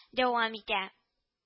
Дәвам итә